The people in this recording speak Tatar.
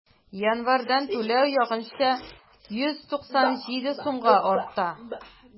Январьдан түләү якынча 197 сумга арта.